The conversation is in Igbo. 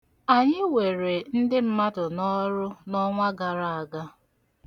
Anyị were ndị mmadụ n'ọrụ n'ọnwa gara aga.